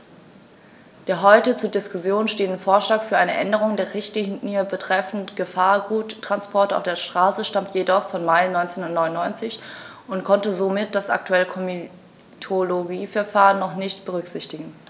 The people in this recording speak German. Der heute zur Diskussion stehende Vorschlag für eine Änderung der Richtlinie betreffend Gefahrguttransporte auf der Straße stammt jedoch vom Mai 1999 und konnte somit das aktuelle Komitologieverfahren noch nicht berücksichtigen.